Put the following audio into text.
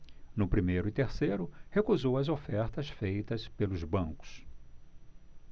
no primeiro e terceiro recusou as ofertas feitas pelos bancos